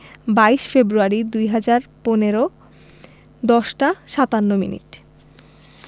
২২ February ২০১৫ ১০ টা ৫৭ minute